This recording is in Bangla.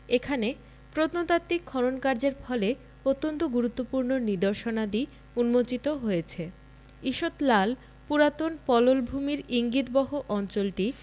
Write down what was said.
এখানে প্রত্নতাত্ত্বিক খননকার্যের ফলে অত্যন্ত গুরত্বপূর্ণ নিদর্শনাদি উন্মোচিত হয়েছে ঈষৎ লাল পুরাতন পললভূমির ইঙ্গিতবহ অঞ্চলটি